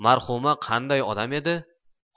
marhuma qanday odam edi